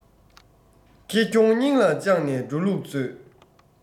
ཁེ གྱོང སྙིང ལ བཅངས ནས འགྲོ ལུགས མཛོད